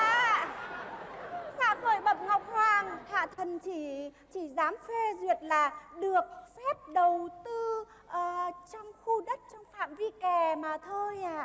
dạ dạ khởi bẩm ngọc hoàng hạ thần chỉ chỉ dám phê duyệt là được phép đầu tư ờ trong khu đất trong phạm vi kè mà thôi ạ